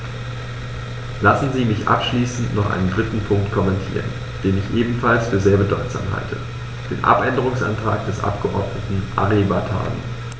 Lassen Sie mich abschließend noch einen dritten Punkt kommentieren, den ich ebenfalls für sehr bedeutsam halte: den Abänderungsantrag des Abgeordneten Ari Vatanen.